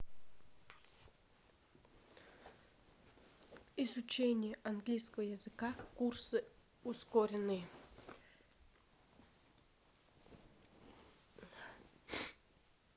изучение английского языка курсы ускоренные